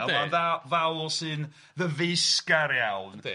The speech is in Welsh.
A ma'n dda- ddawl sy'n ddyfeisgar iawn yndi.